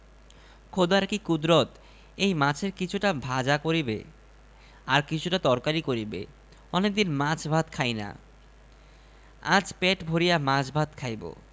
আনিয়া বউকে দিলাম পাক করিতে এই রাক্ষসী সেটা নিজেই খাইয়া ফেলিয়াছে আর আমার জন্য রাখিয়াছে এই মরিচ পোড়া আর ভাত আপনারাই বিচার করেন